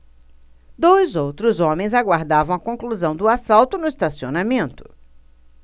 dois outros homens aguardavam a conclusão do assalto no estacionamento